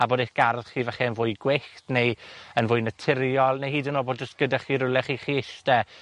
a bod eich gardd chi falle yn fwy gwyllt neu, yn fwy naturiol, neu hyd yn o'd bod jyst gyda chi rywle chi allu iste,